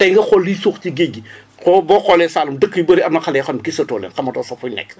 tey nga xool liy suux ci géej gi xoo boo xoolee Saalum dëkk yu bëre am na xale yoo xam gisatoo leen xamatoo foofu ñu nekk